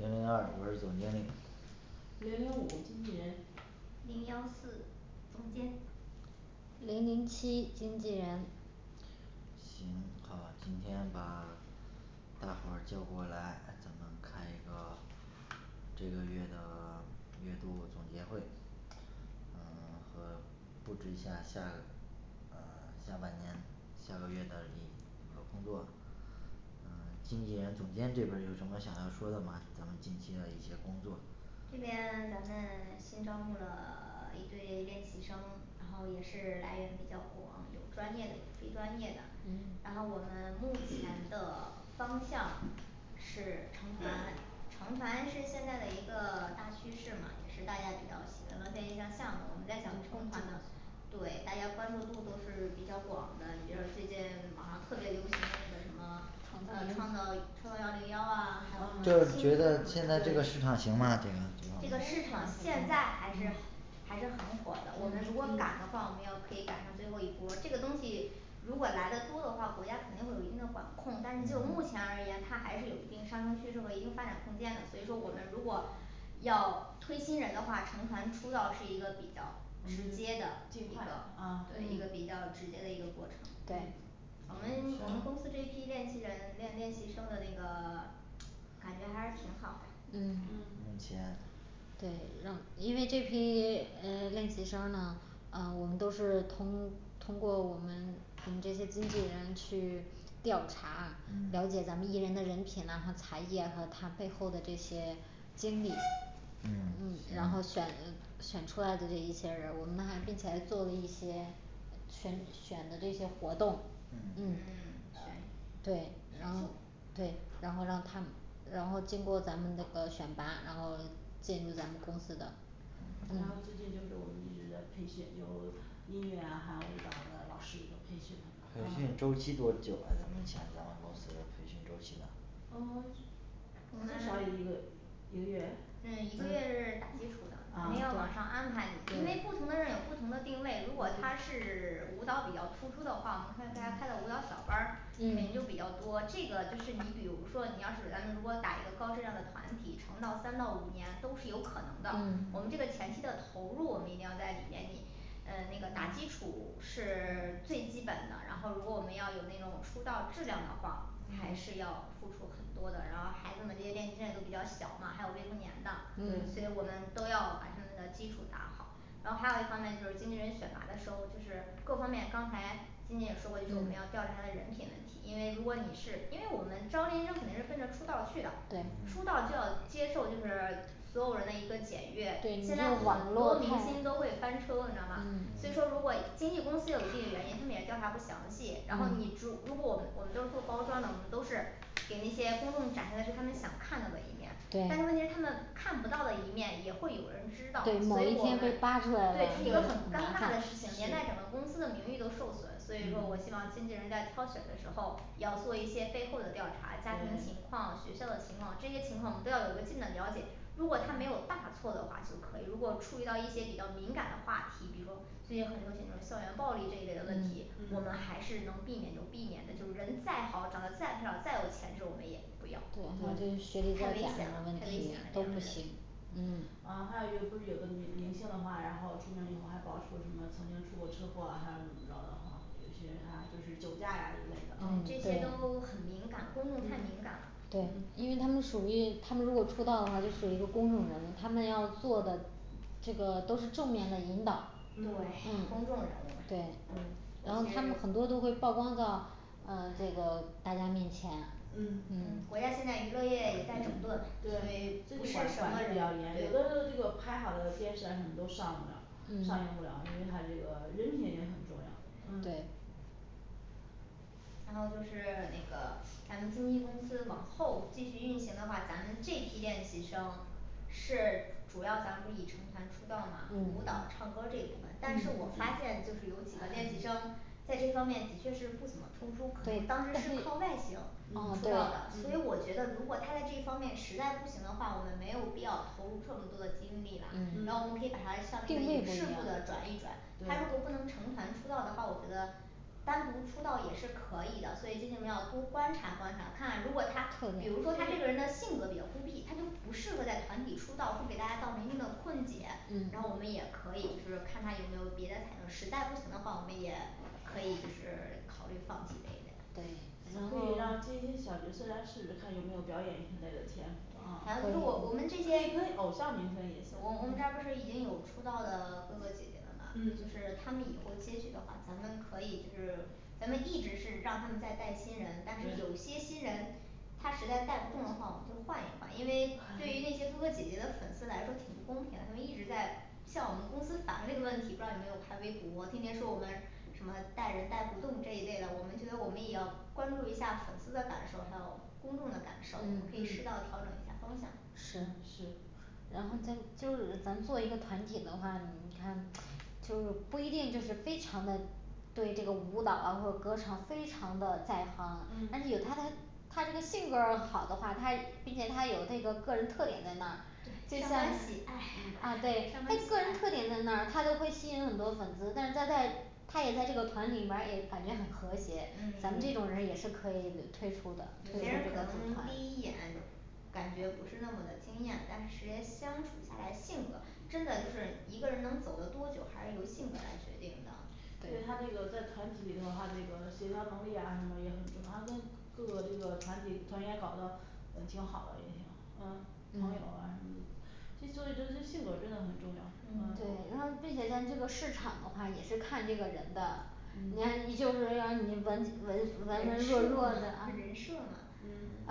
零零二我是总经理零零五经纪人零幺四总监零零七经纪人行好今天把 大伙儿叫过来咱们开一个这个月的 月度总结会嗯 和布置一下下呃 下半年下个月的一一工作嗯经纪人总监这边儿有什么想要说的吗？咱们近期的一些工作这边咱们新招募了 一队练习生，然后也是来源比较广，有专业的有非专业的嗯然后我们目前 的方向是成团 成团是现在的一个大趋势嘛，也是大家比较喜闻乐见的一项项目我们在想关成注团的对大家关注度都是比较广的，你比如说最近网上特别流行的那个什么呃呃创创造造创造幺零幺啊，还有什么啊就是青觉春得什现么的在这对个市场行吗？这个市场现在还是嗯还是很火的，我们如果嗯赶的话，我们要可以赶上最后一波儿这个东西如果来的多的话，国家肯定会有一定的管控，但是就目嗯前而言它还是有一定上升趋势和一定发展空间的，所以说我们如果要推新人的话，成团出道是一个比较我直们接的尽一个快啊对一个嗯比较直接的一个过程对嗯我们我们公司这一批练习人练练习生的这个 感觉还是挺好的嗯嗯目前对让因为这批诶练习生儿呢啊我们都是通通过我们我们这些经纪人去调查了嗯解咱们艺人的人品呐和才艺啊和他背后的这些经历嗯嗯，行然后选呃选出来的这一些人儿，我们还并且还做了一些选选的这些活动嗯嗯嗯 选对然选后秀对然后让他们然后经过咱们那个选拔然后进入咱们公司的嗯然后最近就是我们一直在培训有音乐啊，还有舞蹈的老师就培训他们培呃训周期多久啊，就目前咱们公司的培训周期呢呃 我最们少也一个一个月嗯一个月嗯是打基础的我嗯们要往上安排你，因为不对同的人有不同的定位，如果他对是 舞蹈比较突出的话，我们开给他开的舞蹈小班儿肯定就嗯比较多，这个就是你比如说你要是咱们如果打一个高质量的团体，成道三到五年都是有可能的，嗯我们这个前期的投入我们一定要在里面，你嗯那个打基础是 最基本的，然后如果我们要有那种出道质量的话，还是要付出很多的，然后孩子们这些练习生也都比较小嘛，还有未成年的，对嗯所以我们都要把他们的基础打好然后还有一方面就是经纪人选拔的时候，就是各方面刚才今年也说过就是我们要调查他的人品问题，因为如果你是因为我们招练习生肯定是奔着出道儿去的，对嗯出道儿就要接受就是所有人的一个检阅，对现在很多明太星都会翻车，你知道吗？嗯所以说如果经纪公司有一定的原因，他们也调查不详细，然后你嗯逐 如果我们我们都是做包装的我们都是给那些公众展现的是他们想看到的一面对对某一天被扒出来了对是嗯对如果他没有大错的话，就可以如果触及到一些比较敏感的话题，比如说最近很流行的校园暴力这一类的问题嗯，我们嗯还是能避免就避免的，就是人再好长得再漂亮，再有钱这种的我们也不要对对太危险了，太危险了这嗯都样不的人行嗯嗯还有一个不是有的明明星的话，然后出名以后还爆出什么曾经出过车祸啊还有怎么着的哈，有些人他就是酒驾呀对一类的啊，这嗯些都对很敏感，公众太敏感了嗯对，嗯因为他们属于他们如果出道的话就属于一个公众人物，他们要做的这个都是正面的引导对嗯嗯，公众人物嘛对对然后这他们些很多都会曝光到嗯这个大家以前嗯嗯国家现在娱乐业也在整顿，所对以最不是近什管管么的比人较严，有的对都这个拍好的电视啊什么都上不了上映嗯不了，因为他这个人品也很重要的嗯对然后就是那个咱们经纪公司往后继续运行的话，咱们这批练习生是主要咱不以成团出道嘛舞嗯嗯蹈唱歌这一部分，但是嗯我发 现就是有几个练习生在这方面的确是不怎么突出，可对能当时是靠外形嗯嗯出道对的，所以我觉得如果他在这方面实在不行的话，我们没有必要投入这么多的经历啦，然后我们可嗯嗯以把他向嗯那个定义影不一视样部的转一转他如对果不能成团出道的话，我觉得单独出道也是可以的，所以这些我们要多观察观察看看，如果他比如说他嗯这个人的性格比较孤僻，他就不适合在团体出道，会给大家造成一定的困解，嗯然后我们也可以就是看他有没有别的才能，实在不行的话我们也可以是考虑放弃这一点对然可以让后接一些小角色来试试看有没有表演一类的天对赋啊，还有就是我我们这可可以以届跟偶像明星也行我我们这嗯儿不是已经有出道的哥哥姐姐了嘛，嗯就是他们以后接戏的话，咱们可以就是咱们一直是让他们在带新人，但是有对些新人他实在带不动的话，我们就换一换，因为对于那些哥哥姐姐的粉丝来说挺不公平，他们一直在向我们公司反映这个问题，不知道有没有开微博，天天说我们什么带人带不动这一类的，我们觉得我们也要关注一下粉丝的感受，还有公众的感受，我嗯嗯可以适当调整一下方向是是然后再就是咱们做一个团体的话，你看就是不一定就是非常的对这个舞蹈啊或者歌唱非常的在行，嗯但是有他他他这个性格儿好的话，他并且他有这个个人特点在那儿对关系唉嗯啊对他相当喜个人爱特点在那儿，他就会吸引很多粉丝，但是他在他也在这个团体里面儿也感觉很和谐，嗯咱们这种是人也是可以退出的有退出些人这可能个组团第一眼感觉不是那么的惊艳，但是时间相处下来，性格真的就是一个人能走的多久还是由性格来决定的。对他对这个在团体里头他这个协调能力啊什么也很重要，他跟各个这个团体团员搞的呃挺好的，也行嗯朋友嗯啊什么的这所以就是这性格儿真的很重要，嗯嗯对然后并且咱这个市场的话也是看这个人的你嗯看你就是要是你文文文文人弱设呢弱的 他啊人设呢